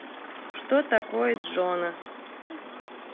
что такое джона